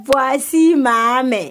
Voici ma main